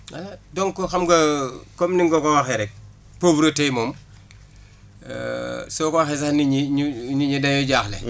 waa donc xam nga comme ni nga ko waxee rek pauvreté moom soo ko waxee sax nit ñi ñuy nit ñi dañoo jaaxle